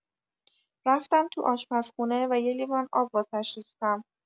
رفتم تو آشپزخونه و یه لیوان آب واسش ریختم